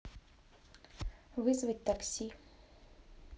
вызвать такси